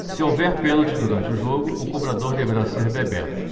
se houver pênalti durante o jogo o cobrador deverá ser bebeto